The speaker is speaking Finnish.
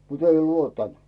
mutta ei luottanut